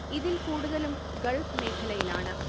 ഇതിൽകൂടുതലും Gulf മേഖലയിലാണ്